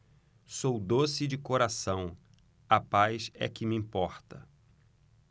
sou doce de coração a paz é que me importa